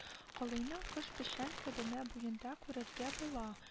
Кылыйның кыш печән көбенә буенда күрергә була